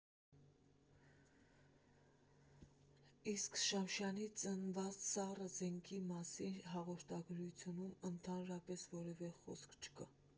Իսկ Շամշյանի նշված սառը զենքերի մասին հաղորդագրությունում ընդհանրապես որևէ խոսք չկա։